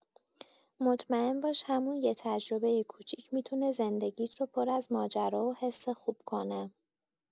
مطمئن باش همون یه تجربه کوچیک می‌تونه زندگی‌ت رو پر از ماجرا و حس خوب کنه.